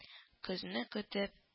Көзне көтеп